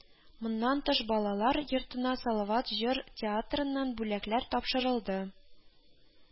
Моннан тыш, балалар йортына Салават җыр театрыннан бүләкләр тапшырылды